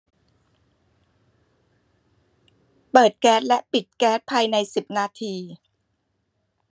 เปิดแก๊สและปิดแก๊สภายในสิบนาที